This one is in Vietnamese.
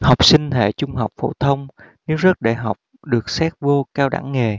học sinh hệ trung học phổ thông nếu rớt đại học được xét vô cao đẳng nghề